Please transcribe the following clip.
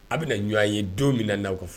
A bɛna na ɲɔgɔn ye don mina na'aw ko fɔ